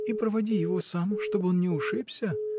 — И проводи его сам, чтоб он не ушибся!